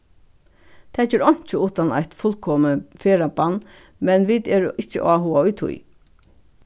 tað ger einki uttan eitt fullkomið ferðabann men vit eru ikki áhugað í tí